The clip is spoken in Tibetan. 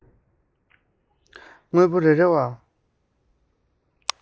དངོས པོ རེ རེ བ